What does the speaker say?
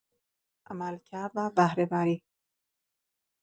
عملکرد و بهره‌وری